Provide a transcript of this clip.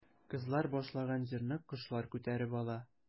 Кызлар башлаган җырны кошлар күтәреп ала.